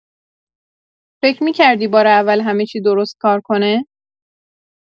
فکر می‌کردی بار اول همه‌چی درست‌کار کنه؟